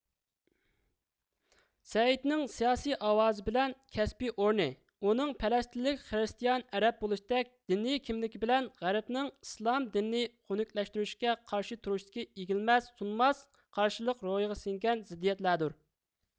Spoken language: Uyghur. سەئىدنىڭ سىياسىي ئاۋازى بىلەن كەسپىي ئورنى ئۇنىڭ پەلەسىتىنلىك خرىستىيان ئەرەب بولۇشتەك دىنىي كىملىكى بىلەن غەربنىڭ ئىسلام دىنىنى خۇنۇكلەشتۈرۈشكە قارشى تۇرۇشتىكى ئېگىلمەس سۇنماس قارشىلىق روھىغا سىڭگەن زىددىيەتلەردۇر